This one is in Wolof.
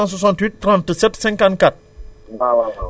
d' accord 568 37 54